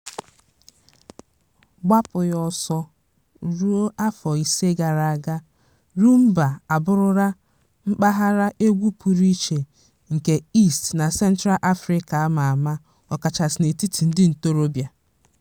Gbapụ ya ọsọ ruo afọ ise gara aga, Rhumba abụrụla mpaghara egwu puru iche nke East na Central Africa a ma ama, ọkachasị n'etiti ndị ntorobịa.